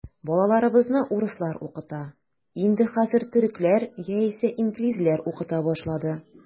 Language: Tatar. Балаларыбызны урыслар укыта, инде хәзер төрекләр яисә инглизләр укыта башлады.